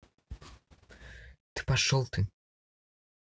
ты пошел ты